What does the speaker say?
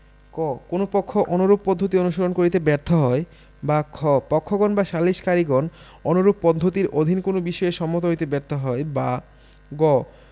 ক কোন পক্ষ অনুরূপ পদ্ধতি অনুসরণ করিতে ব্যর্থ হয় বা খ পক্ষগণ বা সালিসকারীগণ অনুরূপ পদ্ধতির অধীন কোন বিষয়ে সম্মত হইতে ব্যর্থ হয় বা গ